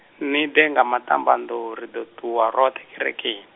ni ḓe nga maṱambanḓou ri ḓo ṱuwa roṱhe kerekeni.